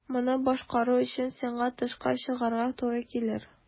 Моны башкару өчен сиңа тышка чыгарга туры килер.